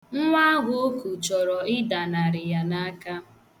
Nwa ahụ oku chọrọ ịdanarị ya n' aka.